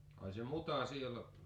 ai se muta siellä